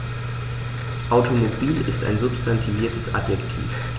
Automobil ist ein substantiviertes Adjektiv.